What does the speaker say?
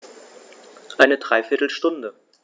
Eine dreiviertel Stunde